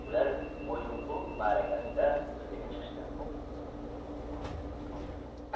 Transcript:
ular mo'yinqum ma'rakasida yuzaga chiqishdi